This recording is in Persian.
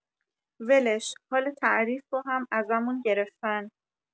ولش حال تعریف رو هم ازمون گرفتن